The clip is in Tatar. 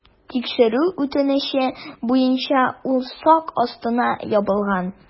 Тикшерү үтенече буенча ул сак астына ябылган.